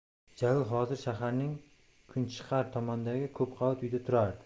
jalil hozir shaharning kunchiqar tomonidagi ko'pqavat uyda turadi